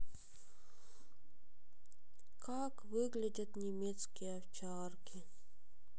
как выглядят немецкие овчарки